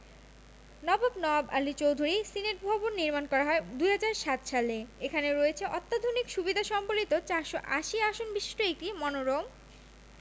নবাব নওয়াব আলী চৌধুরী সিনেটভবন নির্মাণ করা হয় ২০০৭ সালে এখানে রয়েছে অত্যাধুনিক সুবিধা সম্বলিত ৪৮০ আসন বিশিষ্ট একটি মনোরম